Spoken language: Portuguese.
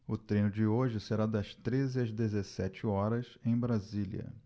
o treino de hoje será das treze às dezessete horas em brasília